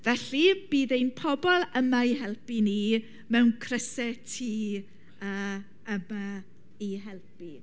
Felly, bydd ein pobol yma i helpu ni mewn crysau T yma i helpu.